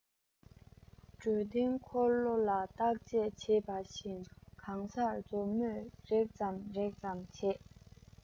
འདྲུད འཐེན འཁོར ལོ ལ བརྟག དཔྱད བྱེད པ བཞིན གང སར མཛུབ མོས རེག ཙམ རེག ཙམ བྱེད